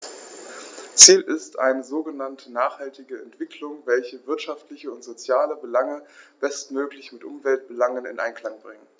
Ziel ist eine sogenannte nachhaltige Entwicklung, welche wirtschaftliche und soziale Belange bestmöglich mit Umweltbelangen in Einklang bringt.